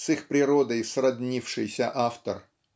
с их природой сроднившийся автор